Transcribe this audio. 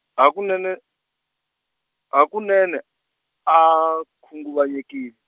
hakunene, hakunene, a khunguvanyekile.